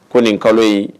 Ko nin kalo in